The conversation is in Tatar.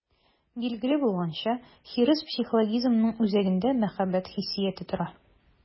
Билгеле булганча, хирыс психологизмының үзәгендә мәхәббәт хиссияте тора.